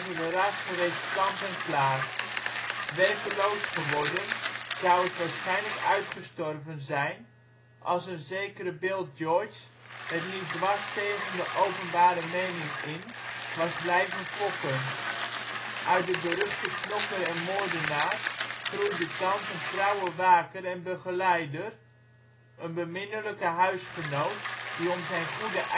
ras reeds kant-en-klaar. Werkeloos geworden, zou het waarschijnlijk uitgestorven zijn, als een zekere Bill George het niet dwars tegen de openbare mening in, was blijven fokken. Uit de beruchte knokker en moordenaar groeide thans een trouwe waker en begeleider, een beminnelijke huisgenoot, die om zijn goede